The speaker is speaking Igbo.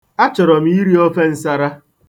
Achọrọ m iri ofe nsara.